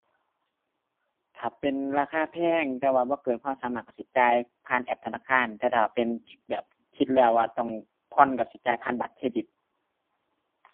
ถ้าเป็นราคาแพง แต่ว่าบ่เกินความสามารถก็สิจ่ายผ่านแอปธนาคาร แต่ถ้าเป็นแบบคิดแล้วว่าต้องผ่อนก็สิจ่ายผ่านบัตรเครดิต